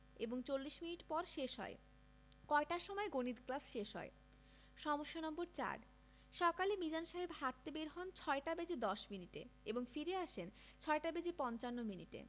এবং ৪০ মিনিট পর শেষ হয় কয়টার সময় গণিত ক্লাস শেষ হয় সমস্যা নম্বর ৪ সকালে মিজান সাহেব হাঁটতে বের হন ৬টা বেজে ১০ মিনিটে এবং ফিরে আসেন ৬টা বেজে পঞ্চান্ন মিনিটে